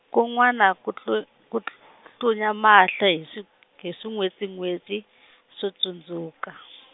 kun'wana ku tlu- ku tlunya mahlo hi swin- hi swin'wetsin'wetsi , swo tsundzuka .